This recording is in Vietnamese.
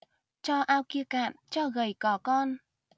cho ao kia cạn cho gầy cò con